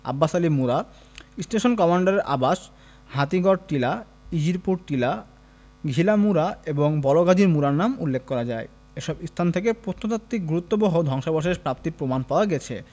Abbas Ali Mura station কমান্ডারের আবাস হাতিগড় টিলা উজিরপুর টিলা ঘিলা মুড়া এবং বলগাজীর মুড়ার নাম উল্লেখ করা যায় এসব স্থান থেকে প্রত্নতাত্ত্বিক গুরুত্ববহ ধ্বংসাবশেষ প্রাপ্তির প্রমাণ পাওয়া গেছে